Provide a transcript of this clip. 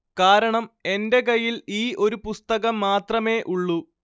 കാരണം എന്റെ കയ്യിൽ ഈ ഒരു പുസ്തകം മാത്രമേ ഉള്ളൂ